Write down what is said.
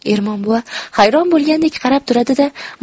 ermon buva hayron bo'lgandek qarab turadi da